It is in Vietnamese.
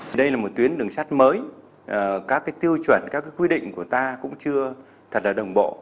đây là một tuyến đường sắt mới ở các cái tiêu chuẩn các quy định của ta cũng chưa thật đồng bộ